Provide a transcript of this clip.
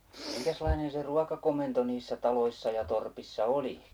minkäslainen se ruokakomento niissä taloissa ja torpissa oli